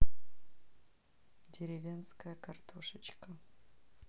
деревенская картошечка